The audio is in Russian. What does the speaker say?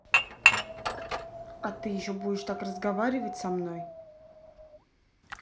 а ты еще будешь так разговаривать со мной